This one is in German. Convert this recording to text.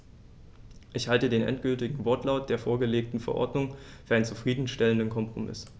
Ich halte den endgültigen Wortlaut der vorgelegten Verordnung für einen zufrieden stellenden Kompromiss.